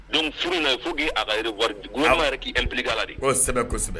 Donc furu in na il faut que a ka revoir government yɛrɛ impliquer a la kosɛbɛ kosɛbɛ.